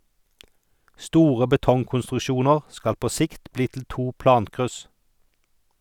Store betongkonstruksjoner skal på sikt bli til to plankryss.